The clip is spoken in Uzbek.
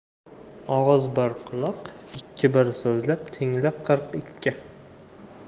og'iz bir quloq ikki bir so'zlab tingla qirq ikki